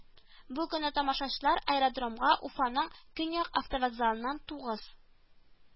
Бу көнне тамашачылар аэродромга Уфаның Көньяк автовокзалыннан тугыз